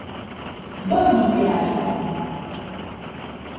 баба галя